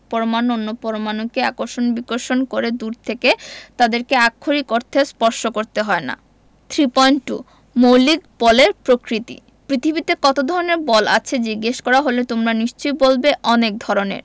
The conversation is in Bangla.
পরমাণু অন্য পরমাণুকে আকর্ষণবিকর্ষণ করে দূর থেকে তাদেরকে আক্ষরিক অর্থে স্পর্শ করতে হয় না 3.2 মৌলিক বলের প্রকৃতি পৃথিবীতে কত ধরনের বল আছে জিজ্ঞেস করা হলে তোমরা নিশ্চয়ই বলবে অনেক ধরনের